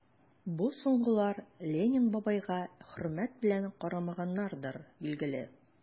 Бу соңгылар Ленин бабайга хөрмәт белән карамаганнардыр, билгеле...